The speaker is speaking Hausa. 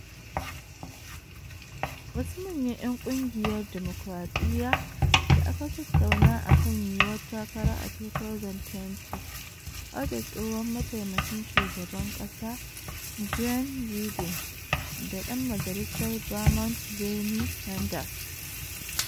Wasu manyan ‘yan Kungiyar Dimokuradiyya da aka tattauna akan yiyuwar takara a 2020 har da tsohon Mataimakin Shugaban Kasa Joe Biden da Dan Majalisar Vermont Bernie Sanders.